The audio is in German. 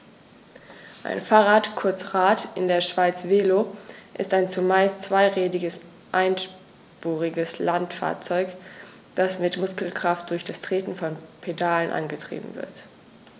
Ein Fahrrad, kurz Rad, in der Schweiz Velo, ist ein zumeist zweirädriges einspuriges Landfahrzeug, das mit Muskelkraft durch das Treten von Pedalen angetrieben wird.